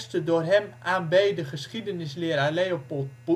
de door hem aanbeden geschiedenisleraar Leopold